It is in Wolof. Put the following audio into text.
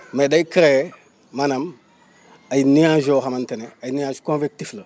mais day créer maanaam ay nuages :fgra yoo xamante ne ay nuages convectif la